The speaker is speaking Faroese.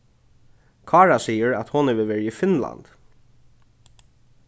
kára sigur at hon hevur verið í finnlandi